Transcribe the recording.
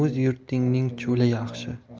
o'z yurtingning cho'li yaxshi